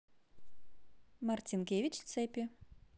марцинкевич цепи